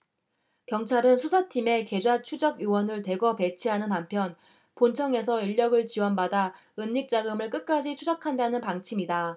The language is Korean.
경찰은 수사팀에 계좌추적 요원을 대거 배치하는 한편 본청에서 인력을 지원받아 은닉 자금을 끝까지 추적한다는 방침이다